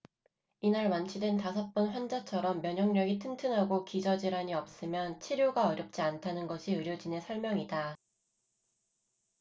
이날 완치된 다섯 번 환자처럼 면역력이 튼튼하고 기저 질환이 없으면 치료가 어렵지 않다는 것이 의료진의 설명이다